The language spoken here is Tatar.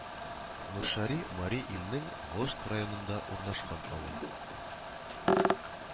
Нуршари Мари Илнең Волжск районында урнашкан авыл